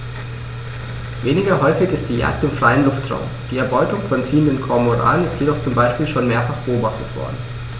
Weniger häufig ist die Jagd im freien Luftraum; die Erbeutung von ziehenden Kormoranen ist jedoch zum Beispiel schon mehrfach beobachtet worden.